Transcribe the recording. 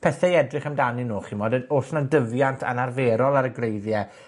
pethe i edrych amdanyn nw chi 'mod yy o's 'na dyfiant anarferol ar y gwreiddie?